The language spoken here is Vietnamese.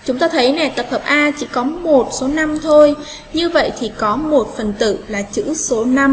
chúng ta thế này tập hợp a chỉ có một số năm thôi như vậy thì có một phần tử là chữ số